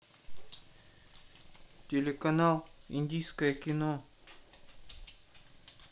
телеканал индийское кино